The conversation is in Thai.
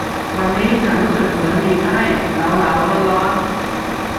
วันนี้ฉันรู้สึกเหมือนมีไข้หนาวหนาวร้อนร้อน